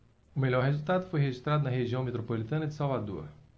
o melhor resultado foi registrado na região metropolitana de salvador